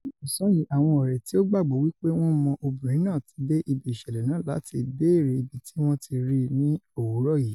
Ní ọ̀sán yìí àwọn ọ̀rẹ́ tí ó gbàgbọ́ wí pé ̀wọn mọ obìnrin náà ti dé ibi ìṣẹ̀lẹ̀ náà láti bèèrè ibití wọ́n ti rí i ni òwúrọ̀ yìí.